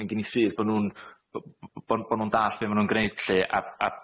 Ma' gin i ffydd bo' nw'n b- bo' n- bo' nw'n dallt be' ma' nw'n gneud lly a- a